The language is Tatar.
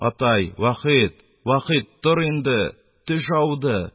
Атай: - вахит, вахит, тор инде. төш ауды,